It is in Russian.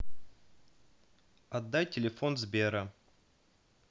отдай телефон сбера